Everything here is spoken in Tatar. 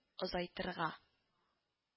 Озайтырга